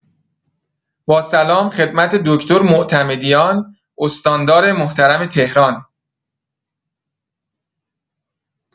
با سلام خدمت دکتر معتمدیان، استاندار محترم تهران.